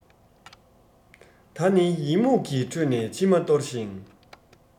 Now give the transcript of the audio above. ད ནི ཡི མུག གི ཁྲོད ནས མཆི མ གཏོར ཞིང